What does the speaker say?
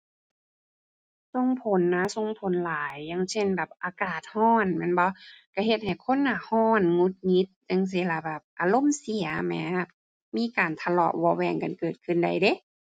ส่งผลนะ ส่งผลหลาย อย่างเช่นแบบอากาศร้อนแม่นบ่ ร้อนเฮ็ดให้คนน่ะ ร้อน หงุดหงิด จั่งซี้ล่ะ แบบอารมณ์เสียแหม มีการทะเลาะเบาะแว้งกันเกิดขึ้นได้เดะ